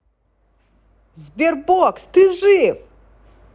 sberbox ты жив